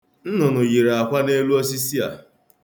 Nnụnụ yiri akwa n'elu osisi a.